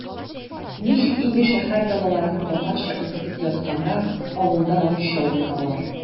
Ничек инде шәһәр балаларын татарча укытып ятканда авылда русча укыталар?!